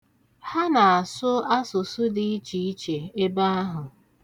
Ha na-asụ asụsụ dị ichiiche ebe ahụ.